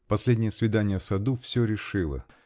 Последнее свидание в саду все решило.